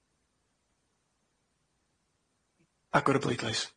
Agor y bleidlais.